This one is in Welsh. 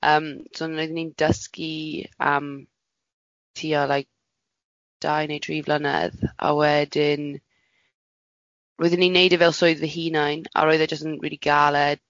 Yym so roeddwn i'n dysgu am tua like dau neu tri flynedd, a wedyn roeddwn i'n wneud e fel swydd fy hunain, a roedd e jyst yn rili galed .